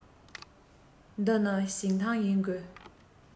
འདི ནི ཞིང ཐང ཡིན དགོས